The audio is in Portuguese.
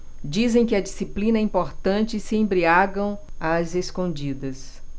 dizem que a disciplina é importante e se embriagam às escondidas